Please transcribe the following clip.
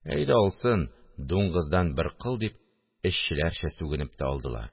Әйдә, алсын. Дуңгыздан бер кыл! – дип, эшчеләрчә сүгенеп тә алдылар